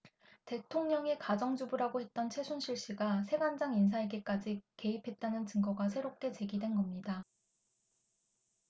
대통령이 가정주부라고 했던 최순실씨가 세관장 인사에까지 개입했다는 증거가 새롭게 제기된겁니다